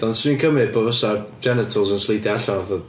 Ond 'swn i'n cymryd bod fysa'r genitals yn sleidio allan wrth y...